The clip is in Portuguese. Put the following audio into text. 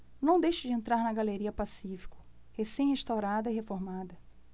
não deixe de entrar na galeria pacífico recém restaurada e reformada